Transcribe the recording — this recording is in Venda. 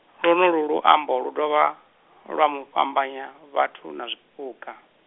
lwonolwu luambo lu dovha, lwa mufhambanyi, vhathuna zwipuka.